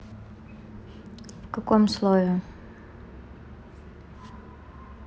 в каком слове